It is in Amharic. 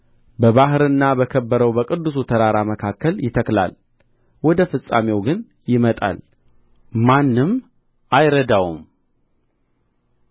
በባሕርና በከበረው በቅዱስ ተራራ መካከል ይተክላል ወደ ፍጻሜው ግን ይመጣል ማንም አይረዳውም